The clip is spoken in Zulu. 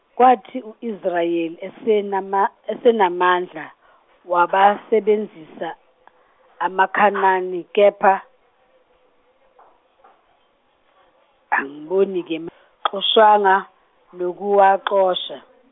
kwathi u- Israel esenama- esenamandla, wawasebenzisa, amaKhanani kepha, angiboni-ke ma- akawaxoshanga nokuwaxosha.